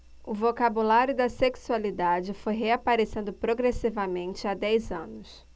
o vocabulário da sexualidade foi reaparecendo progressivamente há dez anos